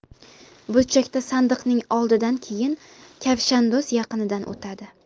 burchakda sandiqning oldidan keyin kavshandoz yaqinidan o'tadi